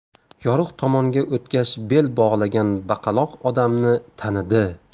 yorug' tomonga o'tgach bel bog'lagan baqaloq odamni tanidi